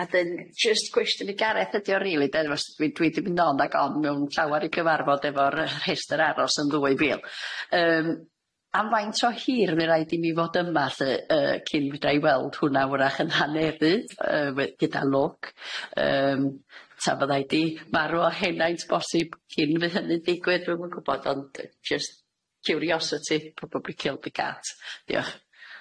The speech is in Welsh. Ocê a dyn jyst gwestiwn i Gareth ydi o rili de os dwi dwi di myn' on ag on mewn llawer i gyfarfod efo'r yy rhestr aros yn ddwy fil, yym am faint o hir mi raid i mi fod yma lly yy cyn fydda i weld hwnna wrach yn hanerydd yy we- gyda lwc yym tan fyddai di marw o henaint bosib cyn fy hynny'n digwydd dwi'm yn gwbod ond yy jyst curiosity probably killed the cat. Diolch.